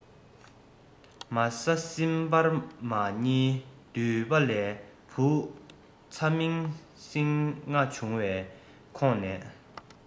མ ས སྲིན འབར མ གཉིས འདུས པ ལས བུ ཚ མིང སྲིང ལྔ བྱུང བའི ཁོངས ནས